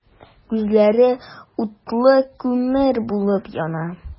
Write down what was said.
Күзләре утлы күмер булып яна.